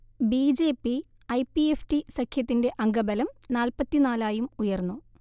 B J P - I P FT സഖ്യത്തിന്റെ അംഗബലം നാല്പത്തിനാലായും ഉയർന്നു